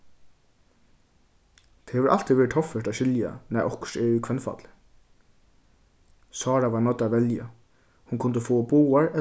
tað hevur altíð verið torført at skilja nær okkurt er í hvønnfalli sára var noydd at velja hon kundi fáa báðar